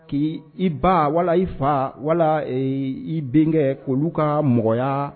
K'i i ba wala i fa wala ee i benkɛ k' olu kaa mɔgɔyaa